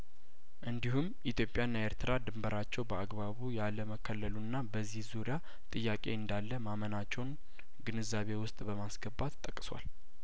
እንዲሁም ኢትዮጵያና ኤርትራ ድንበራቸው በአግባቡ ያለመከለሉና በዚያ ዙሪያ ጥያቄ እንዳለማመናቸውን ግንዛቤ ውስጥ በማስገባት ጠቅሷል